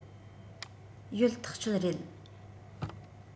ཡོད ཐག ཆོད རེད